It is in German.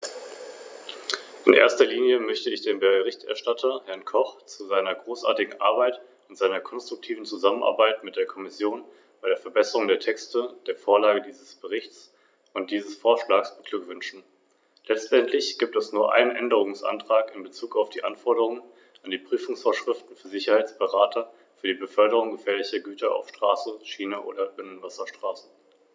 Frau Präsidentin, seit über 20 Jahren sprechen wir nun über die Schaffung eines einheitlichen Patentschutzes auf europäischer Ebene.